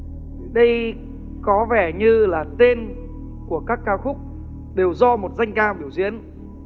đây có vẻ như là tên của các ca khúc đều do một danh ca biểu diễn